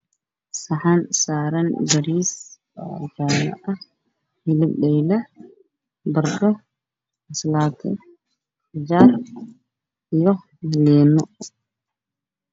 Waa saxan waxaa saaran bariis jaale hilib dhaylo ah, baradho, ansalaato, qajaar iyo liin.